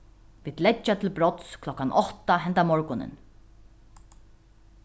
vit leggja til brots klokkan átta henda morgunin